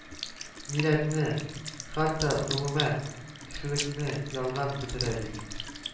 Милләтне, хәтта, гомумән, кешелекне ялган бетерә дип